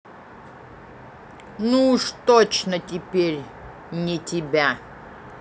ну уж точно теперь не тебя